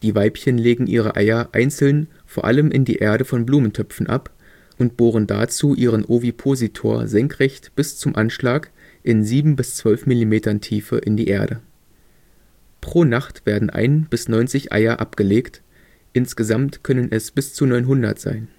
Weibchen legen ihre Eier einzeln vor allem in die Erde von Blumentöpfen ab und bohren dazu ihren Ovipositor senkrecht bis zum Anschlag in 7 bis 12 Millimetern Tiefe in die Erde. Pro Nacht werden ein bis 90 Eier abgelegt, insgesamt können es bis zu 900 sein